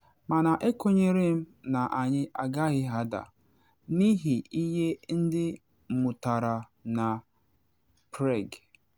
Mana ekwenyere m na anyị agaghị ada, n’ihi ihe ndị mụtara na Prague.